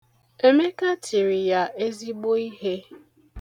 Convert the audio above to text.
Emeka tiri ya ezigbo ihe.